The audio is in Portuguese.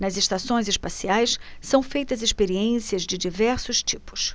nas estações espaciais são feitas experiências de diversos tipos